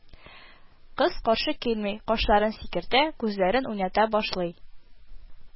Кыз каршы килми, кашларын сикертә, күзләрен уйната башлый